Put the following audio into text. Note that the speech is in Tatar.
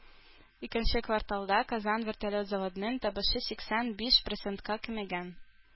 Икенче кварталда Казан вертолет заводының табышы сиксән биш процентка кимегән